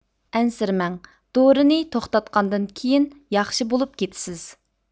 ئەنسىرىمەڭ دورىنى توختاتقاندىن كېيىن ياخشى بولۇپ كېتىسىز